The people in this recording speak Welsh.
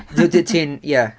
d- d- ti'n, ia.